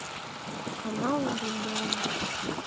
канал лимон